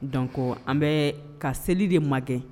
Don an bɛ ka seli de ma kɛ